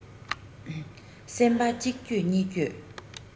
སེམས པ གཅིག འགྱོད གཉིས འགྱོད